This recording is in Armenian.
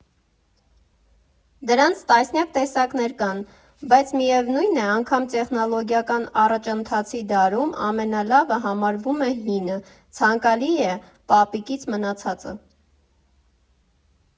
Դրանց տասնյակ տեսակներ կան, բայց միևնույն է, անգամ տեխնոլոգիական առաջընթացի դարում, ամենալավը համարվում է հինը, ցանկալի է՝ պապիկից մնացածը։